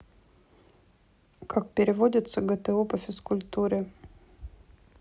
как переводится гто по физкультуре